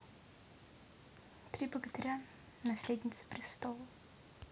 три богатыря наследница престола